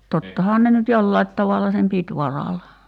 tottahan ne nyt jollakin tavalla sen piti varalla